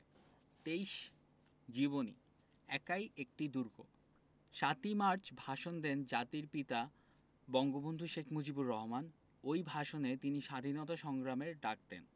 ২৩ জীবনী একাই একটি দুর্গ ৭ই মার্চ ভাষণ দেন জাতির পিতা বঙ্গবন্ধু শেখ মুজিবুর রহমান ওই ভাষণে তিনি স্বাধীনতা সংগ্রামের ডাক দেন